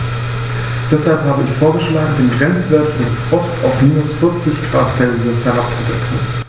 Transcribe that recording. Deshalb habe ich vorgeschlagen, den Grenzwert für Frost auf -40 ºC herabzusetzen.